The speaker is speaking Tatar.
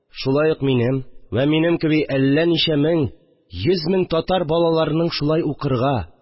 Шулай ук минем вә минем кеби әллә ничә мең, йөз мең татар балаларының шулай укырга